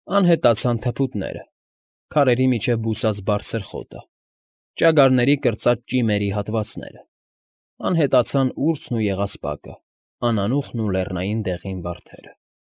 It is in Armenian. Անհետացան թփուտները, քարերի միջև բուսած բարձր խոտը, ճագարների կրծած ճիմերի հատվածները, անհետացան ուրցն ու եղեսպակը, անանուխն ու լեռնային դեղին վարդերը։